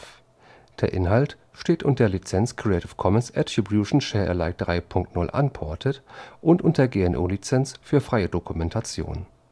Der Inhalt steht unter der Lizenz Creative Commons Attribution Share Alike 3 Punkt 0 Unported und unter der GNU Lizenz für freie Dokumentation